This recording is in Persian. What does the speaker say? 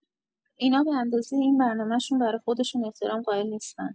اینا به‌اندازه این برنامشون برا خودشون احترام قائل نیستن